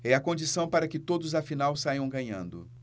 é a condição para que todos afinal saiam ganhando